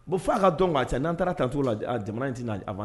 Bon fo'a ka dɔn k'a cɛ n'an taara taacogo la jamana in tɛ